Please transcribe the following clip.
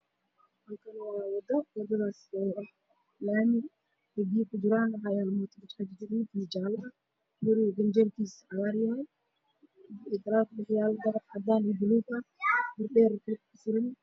Waa wado laami ah oo biyo kujiraan waxaa yaalo mooto bajaaj gaduud iyo jaale ah, guriga kuyaala ganjeelkiisuna cagaar yahay, mutuleelka yaalo waa buluug iyo cadaan.